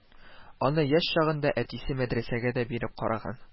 Аны яшь чагында әтисе мәдрәсәгә дә биреп караган